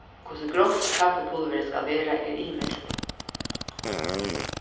hvussu grovt kaffipulvurið skal vera er ymiskt